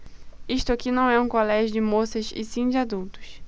isto aqui não é um colégio de moças e sim de adultos